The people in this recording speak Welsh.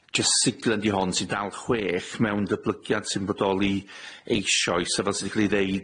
jyst siglen 'di hon sy'n dal chwech mewn datblygiad sy'n bodoli eisoes. A fel sydd 'di ca'l ei ddeud,